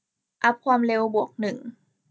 อัพความเร็วบวกหนึ่ง